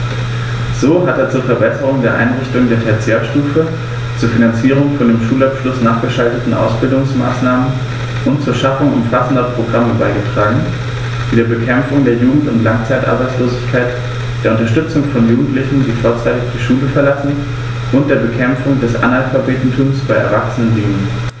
So hat er zur Verbesserung der Einrichtungen der Tertiärstufe, zur Finanzierung von dem Schulabschluß nachgeschalteten Ausbildungsmaßnahmen und zur Schaffung umfassender Programme beigetragen, die der Bekämpfung der Jugend- und Langzeitarbeitslosigkeit, der Unterstützung von Jugendlichen, die vorzeitig die Schule verlassen, und der Bekämpfung des Analphabetentums bei Erwachsenen dienen.